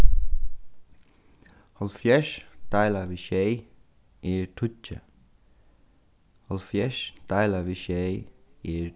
hálvfjerðs deila við sjey er tíggju hálvfjerðs deila við sjey er